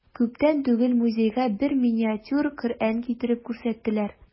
Күптән түгел музейга бер миниатюр Коръән китереп күрсәттеләр.